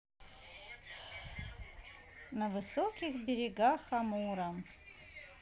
на высоких берегах амура